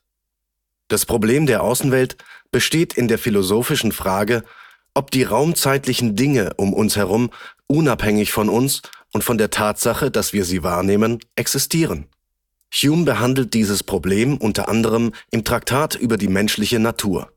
Das Problem der Außenwelt besteht in der philosophischen Frage, ob die raum-zeitlichen Dinge um uns herum unabhängig von uns und von der Tatsache, dass wir sie wahrnehmen, existieren. Hume behandelt dieses Problem u.a. im Traktat über die menschliche Natur